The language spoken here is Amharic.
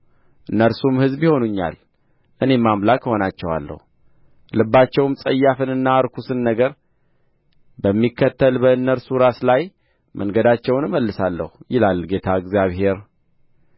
እነርሱም ሕዝብ ይሆኑኛል እኔም አምላክ እሆናቸዋለሁ ልባቸውም ጸያፍንና ርኩስን ነገር በሚከተል በእነርሱ ራስ ላይ መንገዳቸውን እመልሳለሁ ይላል ጌታ እግዚአብሔር